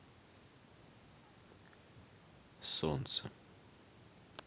солнце